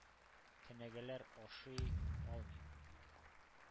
Кенәгәләр ашый алмыйм.